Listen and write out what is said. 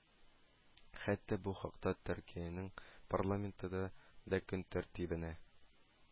Хәтта бу хакта Төркиянең парламентында да көн тәртибенә